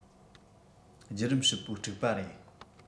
བརྒྱུད རིམ ཧྲིལ པོ དཀྲུགས པ རེད